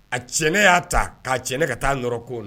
A tiɲɛ y'a ta k'a cɛ ne ka taa yɔrɔ ko